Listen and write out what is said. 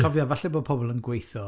Cofia, falle bod pobl yn gweitho.